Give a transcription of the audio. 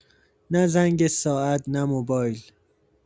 نه زنگ ساعت، نه موبایل.